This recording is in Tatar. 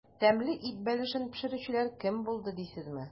Тәмле ит бәлешен пешерүчеләр кем булды дисезме?